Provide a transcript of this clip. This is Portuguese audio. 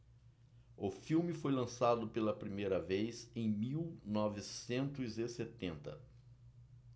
o filme foi lançado pela primeira vez em mil novecentos e setenta